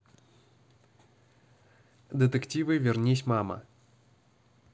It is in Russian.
детективы вернись мама